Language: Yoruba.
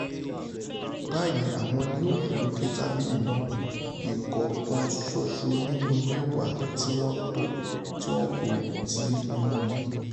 Báyìí àwọn ni ó wà lóòkè tábìlì náà, ikọ̀ kan ṣoṣo nínú mẹ́wàá tíwọn kò tíì lù rí.